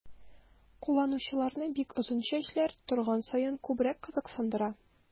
Кулланучыларны бик озын чәчләр торган саен күбрәк кызыксындыра.